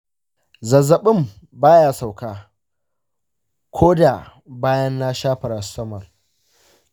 zazzabina baya sauka ko da bayan na sha paracetamol.